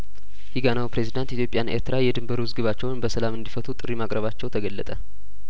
የጋናው ፕሬዚዳንት ኢትዮጵያና ኤርትራ የድንበር ውዝግባቸውን በሰላም እንዲፈቱ ጥሪ ማቅረባቸው ተገለጠ